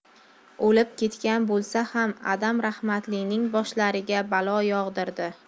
o'lib ketgan bo'lsa ham adam rahmatlining boshlariga balo yog'dirdi